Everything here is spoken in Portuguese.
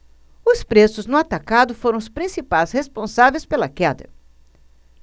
os preços no atacado foram os principais responsáveis pela queda